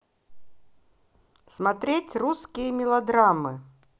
смотреть русские мелодрамы